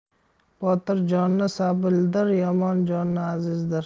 botir joni sabildir yomon joni azizdir